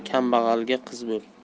kambag'alga qiz bo'l